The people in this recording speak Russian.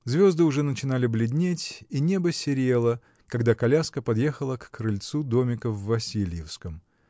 Звезды уже начинали бледнеть и небо серело, когда коляска подъехала к крыльцу домика в Васильевском.